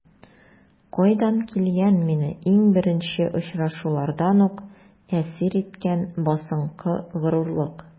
Кайдан килгән мине иң беренче очрашулардан үк әсир иткән басынкы горурлык?